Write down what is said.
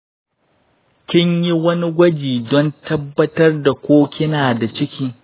kin yi wani gwaji don tabbatar da ko kina da ciki?